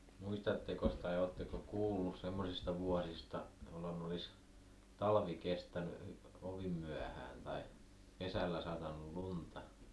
muistattekos tai oletteko kuullut semmoisista vuosista jolloin olisi talvi kestänyt kovin myöhään tai kesällä satanut lunta